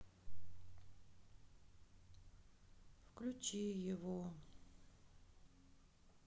включи его